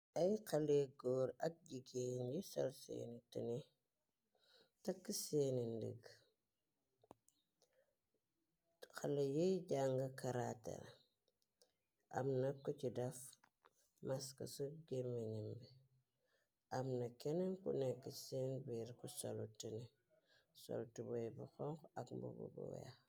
Ay xale góor ak jigeen yi sol seeni tini takk seeni ndëga xale yi jànga karaater amna ko ci def mask si gémenam bi amna kenen ku nekk seen biir ku soo tini sol tubai bu xonxu ak mbubu bu weex.